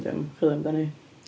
Dwi am chwilio amdani.